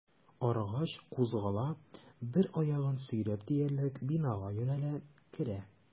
Арыгач, кузгала, бер аягын сөйрәп диярлек бинага юнәлә, керә.